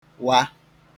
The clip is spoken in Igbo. wa